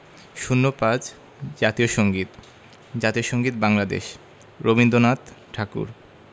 ০৫ জাতীয় সংগীত জাতীয় সংগীত বাংলাদেশ রবীন্দ্রনাথ ঠাকুর